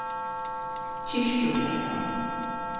kirkjubrekkan